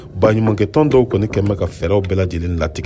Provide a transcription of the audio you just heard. balimakɛtɔn dɔ kɔni diɲɛna ka fɛɛrɛw bɛɛ lajɛlen latigɛ